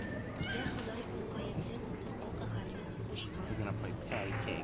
Я, Ходай, ул гаеплеме соң бу каһәрле сугышка